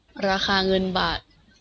ราคาเงินบาท